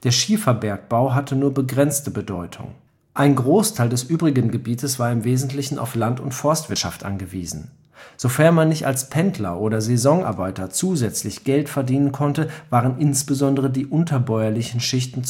Schieferbergbau hatte nur begrenzte Bedeutung (Antfeld, Nuttlar, Schmallenberg). Ein Großteil des übrigen Gebiets war im Wesentlichen auf Land - und Forstwirtschaft angewiesen. Sofern man nicht als Pendler oder Saisonarbeiter zusätzlich Geld verdienen konnte, waren insbesondere die unterbäuerlichen Schichten